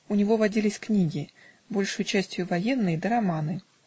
У него водились книги, большею частию военные, да романы.